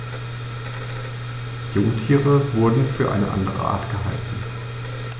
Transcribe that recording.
Jungtiere wurden für eine andere Art gehalten.